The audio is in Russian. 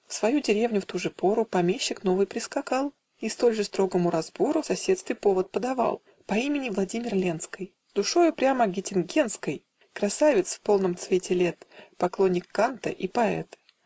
В свою деревню в ту же пору Помещик новый прискакал И столь же строгому разбору В соседстве повод подавал: По имени Владимир Ленской, С душою прямо геттингенской, Красавец, в полном цвете лет, Поклонник Канта и поэт.